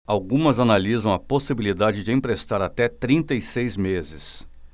algumas analisam a possibilidade de emprestar até trinta e seis meses